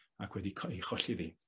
Ac wedi co- 'i cholli ddi.